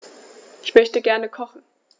Ich möchte gerne kochen.